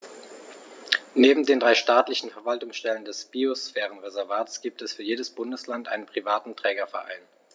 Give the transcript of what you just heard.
Neben den drei staatlichen Verwaltungsstellen des Biosphärenreservates gibt es für jedes Bundesland einen privaten Trägerverein.